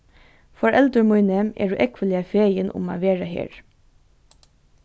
foreldur míni eru ógvuliga fegin um at vera her